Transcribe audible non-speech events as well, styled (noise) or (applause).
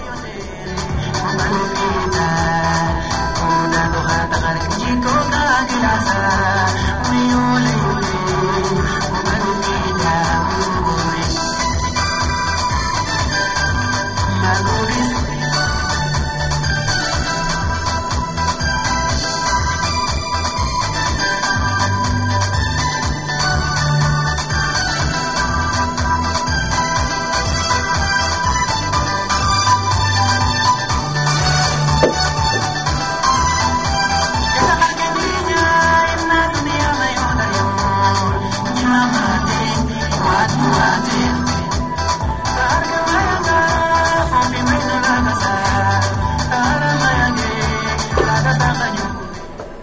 (music)